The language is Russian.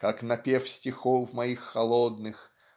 Как напев стихов моих холодных